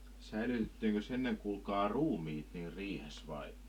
säilytettiinkös ennen kuulkaa ruumiit niin riihessä vai